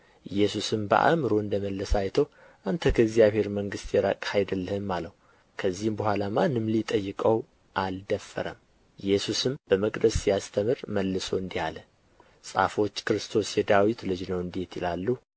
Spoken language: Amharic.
ኢየሱስም በአእምሮ እንደ መለሰ አይቶ አንተ ከእግዚአብሔር መንግሥት የራቅህ አይደለህም አለው ከዚህም በኋላ ማንም ሊጠይቀው አልደፈረም ኢየሱስም በመቅደስ ሲያስተምር መልሶ እንዲህ አለ ጻፎች ክርስቶስ የዳዊት ልጅ ነው እንዴት ይላሉ